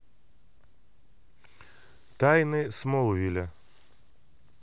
тайны смолвиля